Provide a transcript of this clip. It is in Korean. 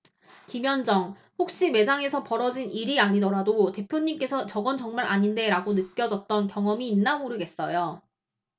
김현정 혹시 매장에서 벌어진 일이 아니더라도 대표님께서 저건 정말 아닌데 라고 느껴졌던 경험이 있나 모르겠어요